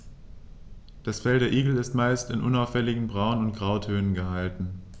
Das Fell der Igel ist meist in unauffälligen Braun- oder Grautönen gehalten.